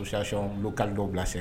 Yatiɔn kalo dɔw bila sen